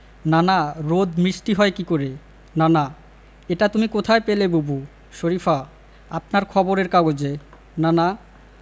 নানা রোদ মিষ্টি হয় কী করে নানা এটা তুমি কোথায় পেলে বুবু শরিফা আপনার খবরের কাগজে নানা